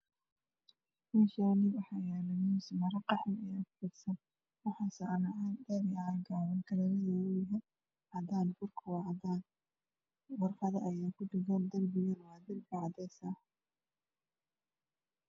Meeshaani waxaa yaalo miis Maro qaxwi saaran waxaa saaran caag dheer kalaradoda cadaan furka waa cadaan warqado ayaa ku dhagan darbiga waa cadays